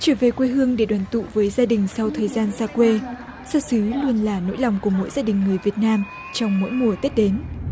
trở về quê hương để đoàn tụ với gia đình sau thời gian xa quê xa xứ luôn là nỗi lòng của mỗi gia đình người việt nam trong mỗi mùa tết đến